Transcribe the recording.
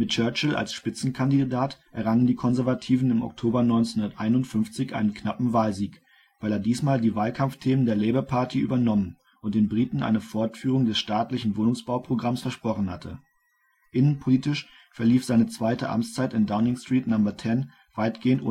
Churchill als Spitzenkandidat errangen die Konservativen im Oktober 1951 einen knappen Wahlsieg, weil er diesmal die Wahlkampfthemen der Labour Party übernommen und den Briten eine Fortführung des staatlichen Wohnungsbauprogramms versprochen hatte. Innenpolitisch verlief seine zweite Amtszeit in Downing Street No. 10 weitgehend unspektakulär